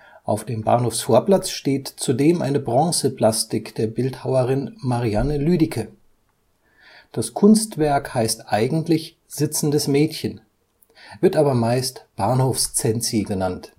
Auf dem Bahnhofsvorplatz steht zudem eine Bronzeplastik der Bildhauerin Marianne Lüdicke. Das Kunstwerk heißt eigentlich Sitzendes Mädchen, wird aber meist Bahnhofs-Zenzi genannt